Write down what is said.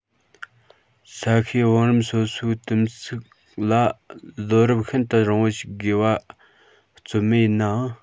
ས གཤིས བང རིམ སོ སོའི དིམ བསགས ལ ལོ རབས ཤིན ཏུ རིང པོ ཞིག དགོས པ རྩོད མེད ཡིན ནའང